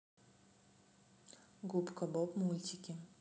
губка боб мультики